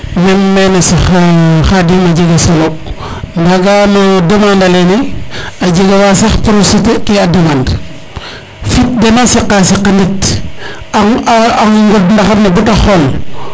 meme mene sax Khadim a jega solo naga na demande a lene a jega wa anaye sax proces ke a demande fit den a saqa saq den a ndet a ngod ndaxar ne bata xool